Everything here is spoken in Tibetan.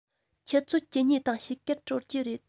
ཆུ ཚོད བཅུ གཉིས དང ཕྱེད ཀར གྲོལ གྱི རེད